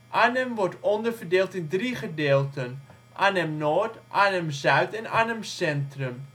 Arnhem wordt onderverdeeld in 3 gedeelten: Arnhem-Noord, Arnhem-Zuid en Arnhem-Centrum